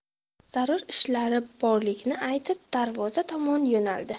zarur ishlari borligini aytib darvoza tomon yo'naldi